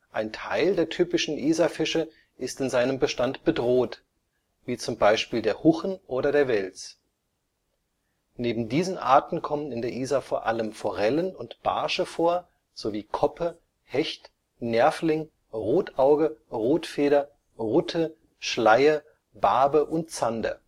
Ein Teil der typischen Isarfische ist in seinem Bestand bedroht, wie zum Beispiel der Huchen oder der Wels. Neben diesen Arten kommen in der Isar vor allem Forellen und Barsche vor sowie Koppe, Hecht, Nerfling, Rotauge, Rotfeder, Rutte, Schleie, Barbe und Zander